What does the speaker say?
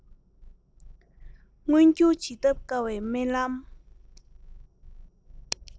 མངོན འགྱུར བྱེད ཐབས དཀའ བའི རྨི ལམ